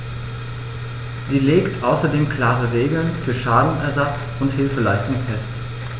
Sie legt außerdem klare Regeln für Schadenersatz und Hilfeleistung fest.